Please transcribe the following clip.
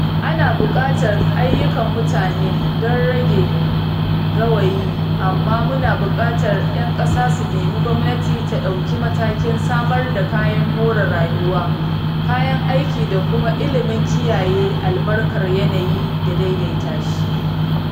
Ana buƙatar aiyukan mutane don rage gawayi amma muna buƙatar 'yan ƙasa su nemi gwamnati ta ɗauki matakin samar da kayan more rayuwa, kayan aiki da kuma ilimin kiyaye albarkar yanayi da daidaita shi.